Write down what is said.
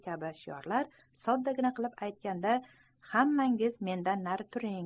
kabi shiorlar soddagina qilib aytganda hammangiz mendan nari turing